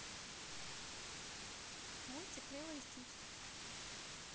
мультик лило и стич